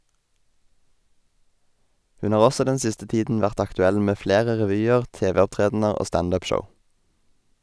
Hun har også den siste tiden vært aktuell med flere revyer, tv-opptredener og stand up-show.